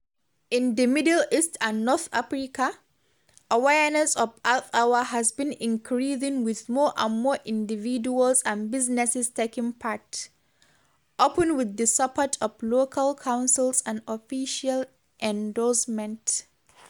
In the Middle East and North Africa, awareness of Earth Hour has been increasing with more and more individuals and businesses taking part, often with the support of local councils and official endorsement.